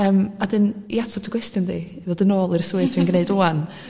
yym a 'dyn i atab dy gwestiwn 'di i ddod yn nôl i'r swydd dwi'n gneud rŵan